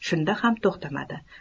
shunda ham to'xtamadi